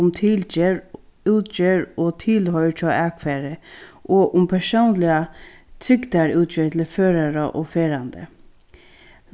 um tilgerð útgerð og tilhoyr hjá akfari og um persónliga trygdarútgerð til førara og ferðandi